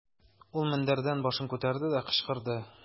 Ул мендәрдән башын күтәрде дә, кычкырды.